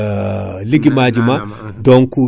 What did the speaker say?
ko protection des plans des plantes